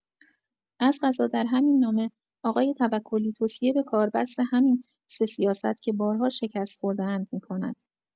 از قضا در همین نامه، آقای توکلی توصیه به کاربست همین سه سیاست که بارها شکست خورده‌اند می‌کند.